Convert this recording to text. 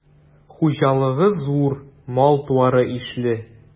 Хуҗалыгы зур, мал-туары ишле.